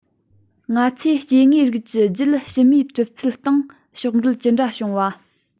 ང ཚོས སྐྱེ དངོས རིགས ཀྱི རྒྱུད ཕྱི མའི གྲུབ ཚུལ སྟེང ཕྱོགས འགལ ཅི འདྲ བྱུང ན